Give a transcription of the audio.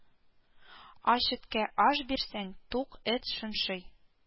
Ач эткә аш бирсәң, тук эт шыншый